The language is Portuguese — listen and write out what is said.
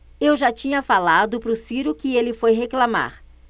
eu já tinha falado pro ciro que ele foi reclamar